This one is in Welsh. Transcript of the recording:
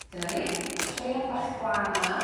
Dyna ni toriad bach glân yn fan 'na